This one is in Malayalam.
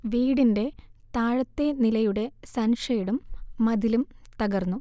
വീടിൻെറ താഴത്തെ നിലയുടെ സൺഷേഡും മതിലും തകർന്നു